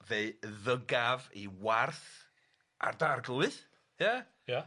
Fe'i ddygaf ei warth ar d'arglwydd ia? Ia.